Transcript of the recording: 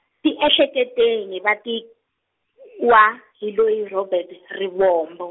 tiehleketeni va ti, wa hi loyi Robert Rivombo.